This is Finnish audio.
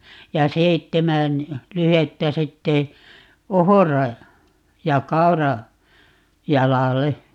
ja seitsemän lyhdettä sitten ohra- ja - kaurajalalle